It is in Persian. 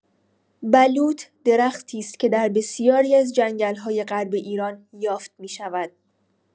بلوط درختی است که در بسیاری از جنگل‌های غرب ایران یافت می‌شود.